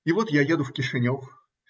И вот я еду в Кишинев